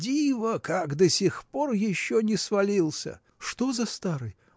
диво, как до сих пор еще не свалился! – Что за старый!